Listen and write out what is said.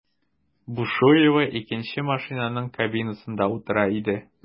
Бушуева икенче машинаның кабинасында утыра иде.